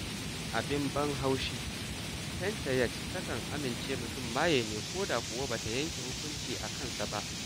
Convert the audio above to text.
Abin ban haushi, Panchayat ta kan amince mutum maye ne ko da kuwa ba ta yanke hukunci a kan sa ba.